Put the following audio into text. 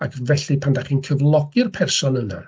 Ac felly, pan dach chi'n cyflogi'r person yna...